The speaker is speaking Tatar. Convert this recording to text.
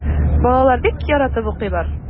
Балалар бик яратып укыйлар.